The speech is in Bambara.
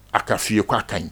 A ka fi ye ka ka ɲi.